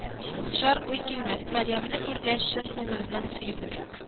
Чар уй килмәс, мәрьямне күргәч, чын күңеленнән сөенер